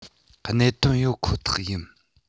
གནད དོན ཡོད ཁོ ཐག ཡིན